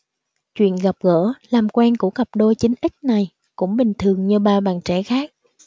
chuyện gặp gỡ làm quen của cặp đôi chín x này cũng bình thường như bao bạn trẻ khác